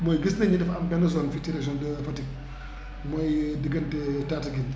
bon gis nañu ne dafa am benn zone fii ci région de Fatick mooy diggante Tataguine